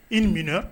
I nimina